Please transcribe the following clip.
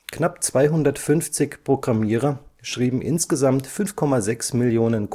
Knapp 250 Programmierer schrieben insgesamt 5,6 Millionen